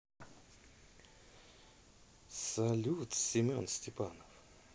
салют семен степанов